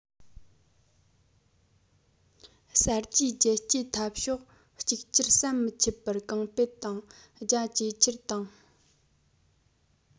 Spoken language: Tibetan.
གསར བརྗེའི རྒྱལ གཅེས འཐབ ཕྱོགས གཅིག གྱུར ཟམ མི འཆད པར གོང སྤེལ དང རྒྱ ཇེ ཆེར བཏང